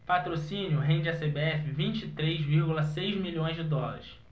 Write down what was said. patrocínio rende à cbf vinte e três vírgula seis milhões de dólares